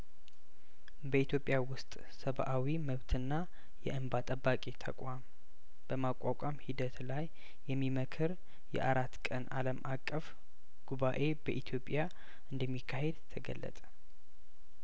በኢትዮጵያ ውስጥ ሰብአዊ መብትና የእምባ ጠባቂ ተቋም በማቋቋም ሂደት ላይ የሚመክር የአራት ቀን አለም አቀፍ ጉባኤ በኢትዮጵያ እንደሚካሄድ ተገለጠ